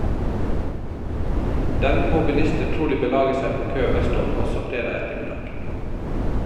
Dermed må bilister trolig belage seg på kø østover også fredag ettermiddag.